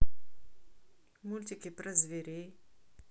мультики про зверей